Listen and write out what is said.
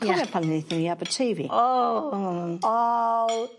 Ia. Cofio pan aethon ni i Abertefi? O! O!